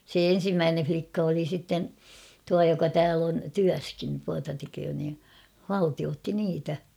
se ensimmäinen likka oli sitten tuo joka täällä on työssäkin tuota tekee niin haltioitsi niitä